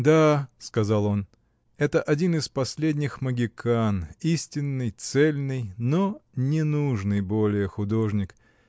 — Да, — сказал он, — это один из последних могикан: истинный, цельный, но не нужный более художник.